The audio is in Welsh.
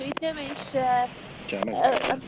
Dwi ddim eisiau... Gemma's island.